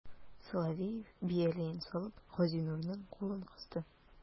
Соловеев, бияләен салып, Газинурның кулын кысты.